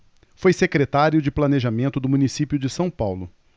foi secretário de planejamento do município de são paulo